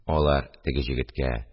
Алар теге җегеткә: